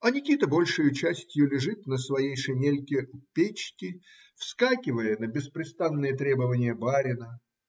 А Никита большею частью лежит на своей шинельке у печки, вскакивая на беспрестанные требования барина.